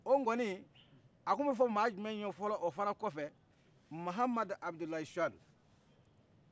o ŋɔni a tun bɛ fɔ mɔgɔ jumɛn ye fɔlɔ o fana kɔfɛ mahamdu abudulayi suadu